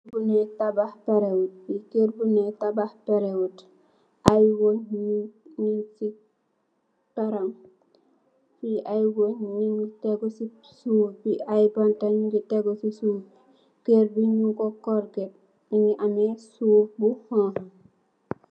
Nyunge tabakh perong bi aye wunj ak bantuh nyunge deguh si prong bi nyung ku korget ak amna suff bu xong khu